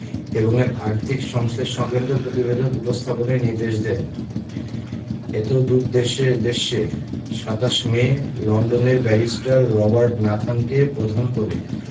এবং এর আর্থিক সংশ্লেষ সংক্রান্ত প্রতিবেদন উপস্থাপনের নির্দেশ দেন এতদুদ্দেশ্যে ২৭ মে লন্ডনের ব্যারিস্টার রবার্ট নাথানকে প্রধান করে